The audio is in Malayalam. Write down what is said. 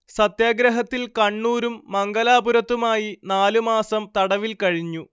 സത്യാഗ്രഹത്തിൽ കണ്ണൂരും മംഗലാപുരത്തുമായി നാലു മാസം തടവിൽ കഴിഞ്ഞു